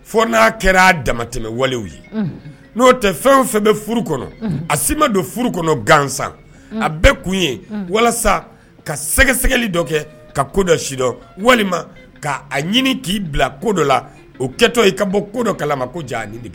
Fɔ n'a kɛra damatɛmɛwalew ye n'o tɛ fɛn o fɛn bɛ furu kɔnɔ a si ma don furu kɔnɔ gansan a bɛɛ kun ye walasa ka sɛgɛsɛgɛli dɔ kɛ ka kodɔn sidɔn walima k' a ɲini k'i bila ko dɔ la o kɛtɔ i ka bɔ ko dɔ kala ma ko jan